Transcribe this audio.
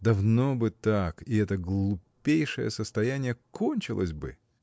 Давно бы так, и это глупейшее состояние кончилось бы!